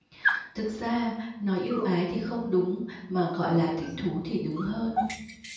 thực ra nói ưu ái thì không đúng mà gọi là thích thú thì đúng hơn